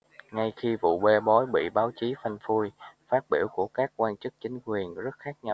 ngay khi vụ bê bối bị báo chí phanh phui phát biểu của các quan chức chính quyền rất khác nhau